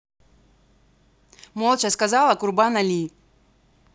молча сказала курбан али